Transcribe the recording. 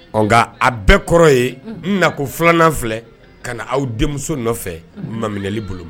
Nka a bɛɛ kɔrɔ ye na ko filanan filɛ ka na awaw denmuso nɔfɛ maminɛli bolo